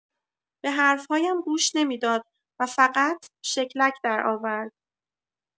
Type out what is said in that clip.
به حرف‌هایم گوش نمی‌داد و فقط شکلک درآورد.